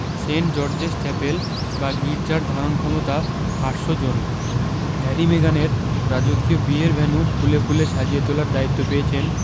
Saint George's chapel বা গির্জার ধারণক্ষমতা ৮০০ জন হ্যারি মেগানের রাজকীয় বিয়ের ভেন্যু ফুলে ফুলে সাজিয়ে তোলার দায়িত্ব পেয়েছেন